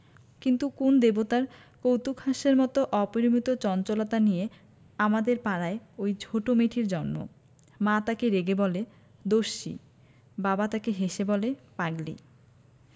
কিন্তু কোন দেবতার কৌতূকহাস্যের মত অপরিমিত চঞ্চলতা নিয়ে আমাদের পাড়ায় ঐ ছোট মেয়েটির জন্ম মা তাকে রেগে বলে দস্যি বাবা তাকে হেসে বলে পাগলি